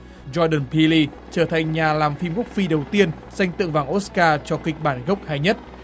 rô đừn phi li trở thành nhà làm phim gốc phi đầu tiên giành tượng vàng ốt ca cho kịch bản gốc hay nhất